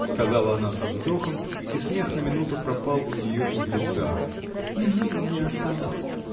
— сказала она со вздохом, и смех на минуту пропал у нее из лица. — Немного мне осталось.